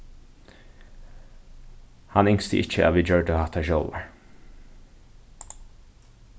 hann ynskti ikki at vit gjørdu hatta sjálvar